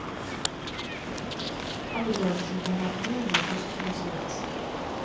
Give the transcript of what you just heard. обзор чемпионат мира две тысячи восемнадцать